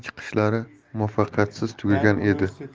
chiqishlari muvaffaqiyatsiz tugagan edi